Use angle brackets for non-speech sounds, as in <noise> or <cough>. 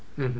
<hesitation> <hesitation>